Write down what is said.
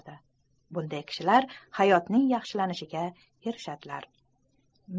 bunday kishilar hayotning yaxshilanishiga erishadilar